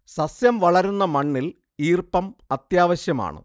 സസ്യം വളരുന്ന മണ്ണിൽ ഈർപ്പം അത്യാവശ്യമാണ്